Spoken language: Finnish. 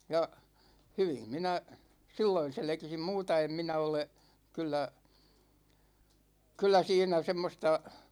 ja hyvin minä silloin selkisin muuta en minä ole kyllä kyllä siinä semmoista